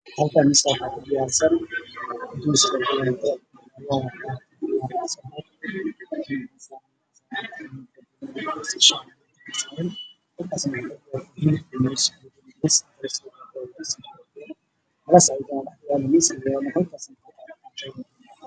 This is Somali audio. Waa cunta kala duwan gaduud iyo cagaar